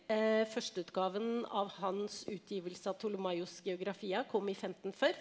førsteutgaven av hans utgivelse av Ptolemaios' Geografia kom i femtenførti.